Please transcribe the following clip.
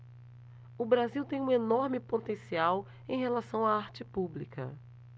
o brasil tem um enorme potencial em relação à arte pública